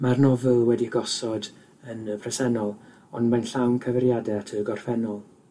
Ma'r nofel wedi gosod yn y presennol, ond mae'n llawn cyfeiriade at y gorffennol.